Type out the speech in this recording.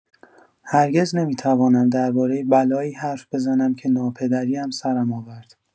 هرگز نمی‌توانم درباره بلایی حرف بزنم که ناپدری‌ام سرم آورد.